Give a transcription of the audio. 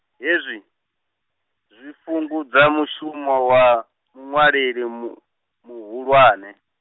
hezwi, zwi fhungudza mushumo wa, muṅwaleli mu-, muhulwane.